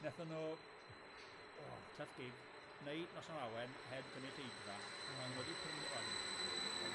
Nathon nw, oh, tough gig, wneu Noson Lawen heb gynulleidfa, odden nw 'di prynu wel, ddim prynu, oedden